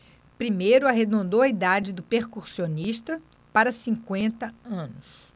primeiro arredondou a idade do percussionista para cinquenta anos